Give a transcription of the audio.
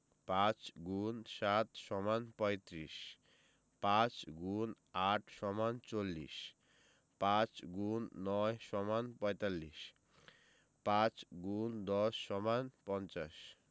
৫× ৭ = ৩৫ ৫× ৮ = ৪০ ৫x ৯ = ৪৫ ৫×১০ = ৫০